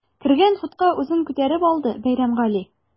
Кергән хутка үзен күтәреп алды Бәйрәмгали.